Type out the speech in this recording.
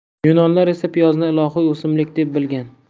yunonlar esa piyozni ilohiy o'simlik deb bilgan